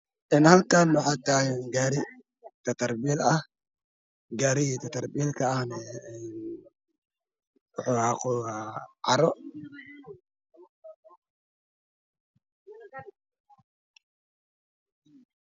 Een halkan waxaa tagn gari tatar bil ah gariga tatarbilka ahne wuxu qoda caro